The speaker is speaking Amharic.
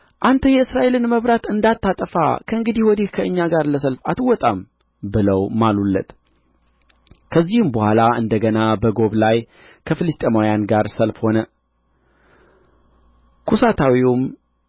ያንጊዜም የዳዊት ሰዎች አንተ የእስራኤልን መብራት እንዳታጠፋ ከእንግዲህ ወዲህ ከእኛ ጋር ለሰልፍ አትወጣም ብለው ማሉለት ከዚህም በኋላ እንደ ገና በጎብ ላይ ከፍልስጥኤማውያን ጋር ሰልፍ ሆነ ኩሳታዊውም